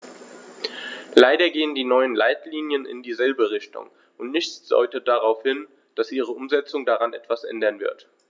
Leider gehen die neuen Leitlinien in dieselbe Richtung, und nichts deutet darauf hin, dass ihre Umsetzung daran etwas ändern wird.